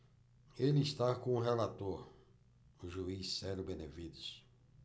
ele está com o relator o juiz célio benevides